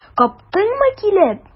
Каптыңмы килеп?